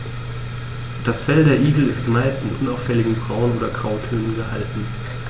Das Fell der Igel ist meist in unauffälligen Braun- oder Grautönen gehalten.